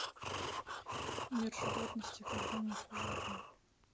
мир животности когда мне холодно